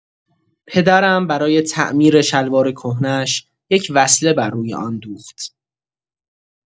پدرم برای تعمیر شلوار کهنه‌اش، یک وصله بر روی آن دوخت.